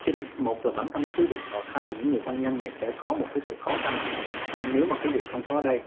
chính một là bản thân quyết định phá thai là những người thân nhân này sẽ có một cái sự khó khăn còn nếu mà quý vị không có đây